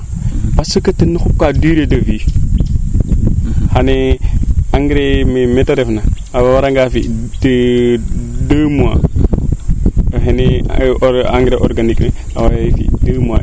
parce que tena xupkaa durer de vie xane engrais mete reef na wara nga fi deux mois o xene engrais organique fee